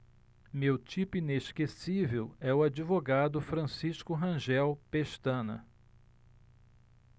meu tipo inesquecível é o advogado francisco rangel pestana